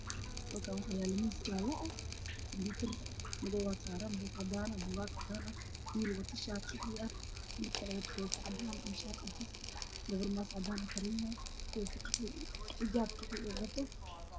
Halkaan waxaa yaalo miis jaale ah waxaa saaran kumiitar madow ah, buugaag cadaan ah, wiil wato shaar qaxwi ah, wiil kaloo wato koofi cadaan ah iyo shaar cadeys ah, gabar wadato maas cadaan iyo xijaab qaxwi ah.